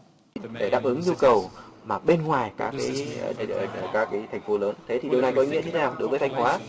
để đáp ứng nhu cầu mà bên ngoài các cái thành phố lớn thế thì điều này có ý nghĩa thế nào đối với thanh hóa